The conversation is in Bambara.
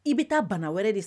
I bɛ taa bana wɛrɛ de sa